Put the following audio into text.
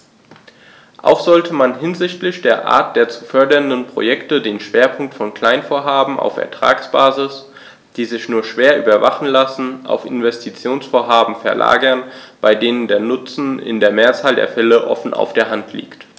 Auch sollte man hinsichtlich der Art der zu fördernden Projekte den Schwerpunkt von Kleinvorhaben auf Ertragsbasis, die sich nur schwer überwachen lassen, auf Investitionsvorhaben verlagern, bei denen der Nutzen in der Mehrzahl der Fälle offen auf der Hand liegt.